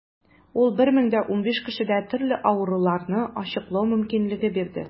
Ул 1015 кешедә төрле авыруларны ачыклау мөмкинлеге бирде.